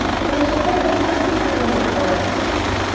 Киләчәктә гәзит нинди юнәлеш алыр.